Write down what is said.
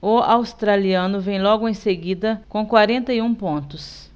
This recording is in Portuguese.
o australiano vem logo em seguida com quarenta e um pontos